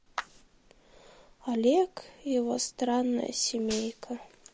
олег и его странная семейка